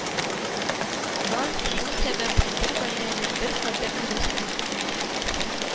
Ган, шул сәбәпле бер гаиләне бер кабер тирәсенә күмәләр